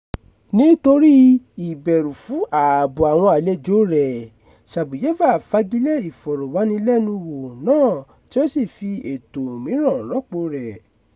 Nítorí ìbẹ̀rù fún ààbò àwọn àlejòo rẹ̀, Shabuyeva fagilé ìfọ̀rọ̀wánilẹ́nuwò náà tí ó sì fi ètò mìíràn rọ́pòo rẹ̀.